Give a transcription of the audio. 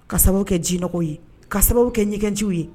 Ka sababu kɛ jinɔgɔw ye ka sababu kɛ ɲɛgɛnjiw ye